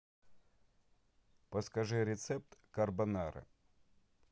подскажи рецепт карбонары